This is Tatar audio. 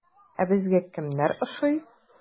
Ә безгә кемнәр ошый?